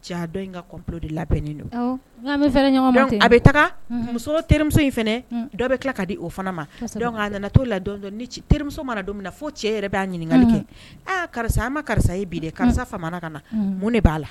Jaa dɔn in ka complot de la bɛnnen do awɔ ŋan bɛ fɛrɛ ɲɔgɔn ma ten de donc a bɛ taga unhun musoo terimuso in fɛnɛ hun dɔ bɛ tila ka di o fana ma kosɛbɛ donc a nana t'o la don donni ni c terimuso mana don mina fo cɛ yɛrɛ b'a ɲininkali kɛ unhun aa karisa an ma karisa ye bi dɛ karisa famana ka na mun de b'a la